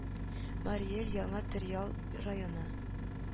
Мари эл Яңа Торъял районы